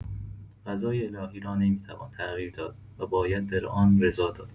قضای الهی را نمی‌توان تغییر داد و باید به آن رضا داد.